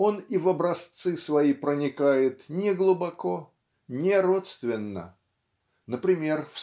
он и в образцы свои проникает не глубоко не родственно. Например